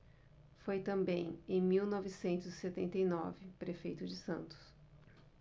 foi também em mil novecentos e setenta e nove prefeito de santos